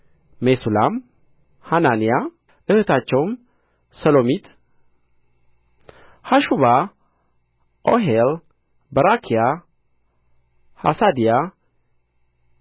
ሜሱላም ሐናንያ እኅታቸውም ሰሎሚት ሐሹባ ኦሄል በራክያ ሐሳድያ